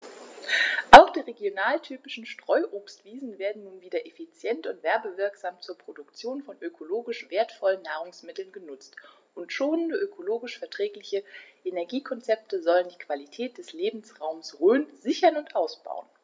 Auch die regionaltypischen Streuobstwiesen werden nun wieder effizient und werbewirksam zur Produktion von ökologisch wertvollen Nahrungsmitteln genutzt, und schonende, ökologisch verträgliche Energiekonzepte sollen die Qualität des Lebensraumes Rhön sichern und ausbauen.